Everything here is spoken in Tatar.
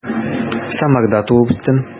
Самарда туып үстем.